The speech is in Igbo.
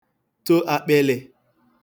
to ākpị̄lị̄